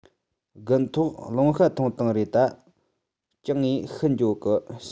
དགུན ཐོག རླུང ཤ ཐོན བཏང རས ད གྱང ངས ཤི འགྱོ གི